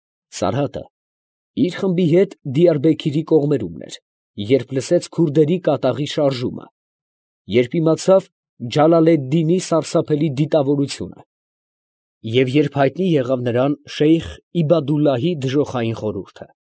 Սարհատը իր խումբի հետ Դիարբեքիրի կողմերումն էր, երբ լսեց քուրդերի կատաղի շարժումը, երբ իմացավ Ջալալեդդինի սարսափելի դիտավորությունը և երբ հայտնի եղավ նրան Շեյխ Իբադուլլահի դժոխային խորհուրդը։